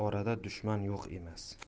orada dushman yo'q emas